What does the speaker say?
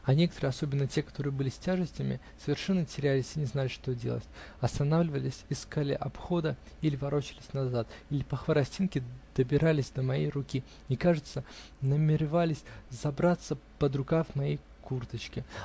а некоторые, особенно те, которые были с тяжестями, совершенно терялись и не знали, что делать: останавливались, искали обхода, или ворочались назад, или по хворостинке добирались до моей руки и, кажется, намеревались забраться под рукав моей курточки.